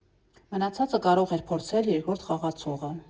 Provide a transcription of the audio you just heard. Մնացածը կարող էր փորձել երկրորդ խաղացողը։